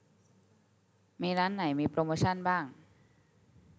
มีร้านไหนมีโปรโมชันบ้าง